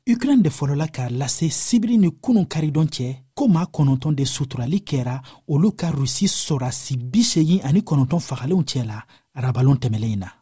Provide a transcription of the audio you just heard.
ukraine de fɔlɔla k'a lase sibiri ni kunun karidon cɛ ko maa kɔnɔntɔn de suturali kɛra olu ka rusi sɔrasi bi segin ani kɔnɔntɔn fagalenw cɛla arabadon tɛmɛnen in na